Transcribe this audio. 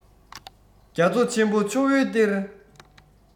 རྒྱ མཚོ ཆེན པོ ཆུ བོའི གཏེར